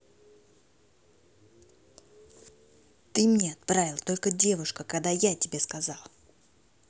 ты мне отправила только девушка когда я тебе сказал